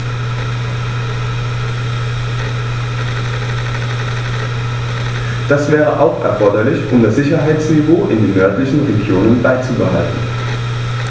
Das wäre auch erforderlich, um das Sicherheitsniveau in den nördlichen Regionen beizubehalten.